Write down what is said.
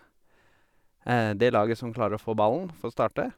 Det laget som klarer å få ballen får starte.